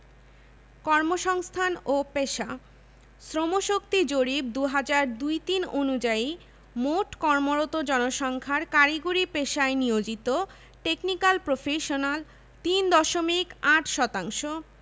বাংলাদেশের অধিকাংশ স্থানেই ভূ জল পৃষ্ঠ ভূ পৃষ্ঠের খুব কাছাকাছি অবস্থান করে এবং বৎসরের বিভিন্ন সময় এর গভীরতা উঠানামা করে